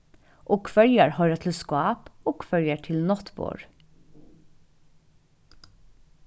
og hvørjar hoyra til skáp og hvørjar til náttborð